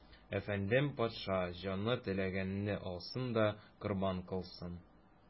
Әфәндем, патша, җаны теләгәнне алсын да корбан кылсын.